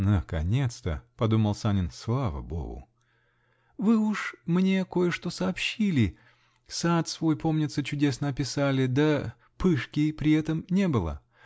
("Наконец-то, -- подумал Санин, -- слава богу!") Вы уж мне кое-что сообщили, сад свой, помнится, чудесно описали, да "пышки" при этом не было.